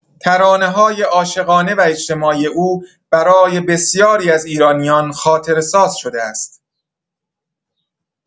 ترانه‌های عاشقانه و اجتماعی او برای بسیاری از ایرانیان خاطره‌ساز شده است.